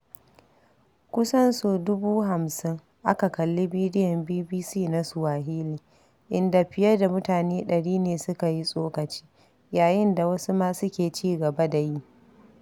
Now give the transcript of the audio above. Kusan sau 50,000 aka kalli bidiyon BBC na Suwahili, inda fiye da mutane 100 ne suka yi tsokaci, yayin da wasu ma suke ci gaba da yi.